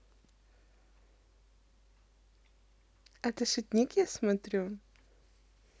а ты шутникя смотрю